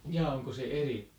jaa onko se eri